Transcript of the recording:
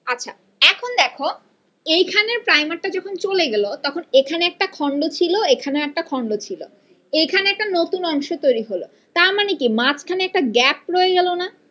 আচ্ছা এখন দেখ এইখানের প্রাইমার টা যখন চলে গেল তখন এখানে একটা খন্ড ছিল খানে একটা খন্ড ছিল এখানে একটা নতুন অংশ তৈরি হল তার মানে কি মাঝখানে একটা গ্যাপ রয়ে গেল না